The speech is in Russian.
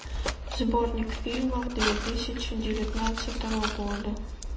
сборник фильмов две тысячи девятнадцатого года